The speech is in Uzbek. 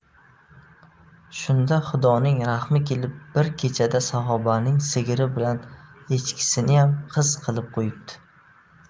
shunda xudoning rahmi kelib bir kechada saxobaning sigiri bilan echkisiniyam qiz qilib qo'yibdi